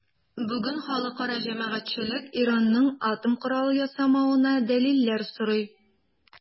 Бүген халыкара җәмәгатьчелек Иранның атом коралы ясамавына дәлилләр сорый.